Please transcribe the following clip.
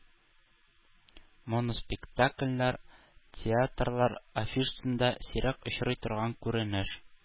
Моноспектакльләр - театрлар афишасында сирәк очрый торган күренеш.